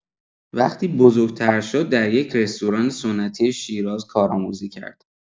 وقتی بزرگ‌تر شد، در یک رستوران سنتی شیراز کارآموزی کرد.